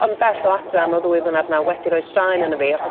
o- yn bell o adra am y ddwy flynadd 'na wedi rhoi straen arna fi achos